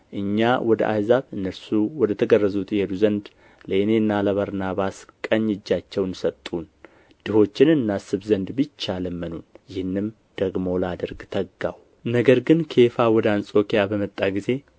እኛ ወደ አሕዛብ እነርሱም ወደ ተገረዙት ይሄዱ ዘንድ ለእኔና ለበርናባስ ቀኝ እጃቸውን ሰጡን ድሆችን እናስብ ዘንድ ብቻ ለመኑን ይህንም ደግሞ ላደርግ ተጋሁ ነገር ግን ኬፋ ወደ አንጾኪያ በመጣ ጊዜ